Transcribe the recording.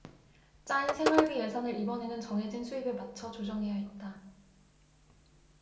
짜인 생활비 예산을 이번에는 정해진 수입에 맞춰 조정해야 했다